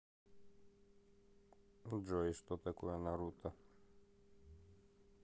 джой что такое наруто